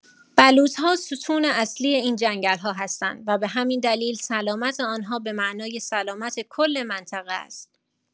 بلوط‌ها ستون اصلی این جنگل‌ها هستند و به همین دلیل سلامت آنها به معنای سلامت کل منطقه است.